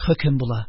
Хөкем була.